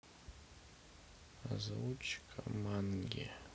озвучка манги